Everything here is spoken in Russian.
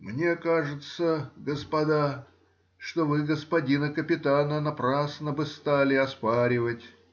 — Мне кажется, господа, что вы господина капитана напрасно бы стали оспаривать